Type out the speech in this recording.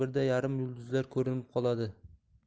birda yarim yulduzlar ko'rinib qoladi